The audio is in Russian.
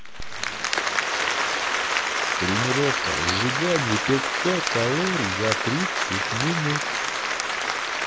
тренировка сжигание пятьсот калорий за тридцать минут